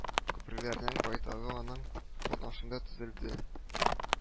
Күперләрнең байтагы аның катнашында төзелде